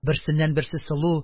Берсеннән-берсе сылу,